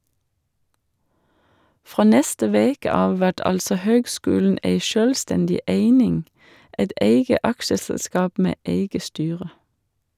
Frå neste veke av vert altså høgskulen ei sjølvstendig eining, eit eige aksjeselskap med eige styre.